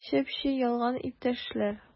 Чеп-чи ялган, иптәшләр!